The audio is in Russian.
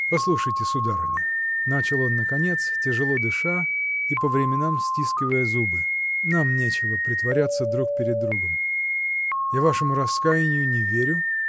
-- Послушайте, сударыня, -- начал он наконец, тяжело дыша и по временам стискивая зубы, -- нам нечего притворяться друг перед другом я вашему раскаянию не верю